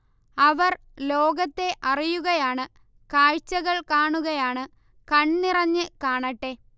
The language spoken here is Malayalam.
അവർ ലോകത്തെ അറിയുകയാണ് കാഴ്ചകൾ കാണുകയാണ് കൺനിറഞ്ഞ് കാണട്ടെ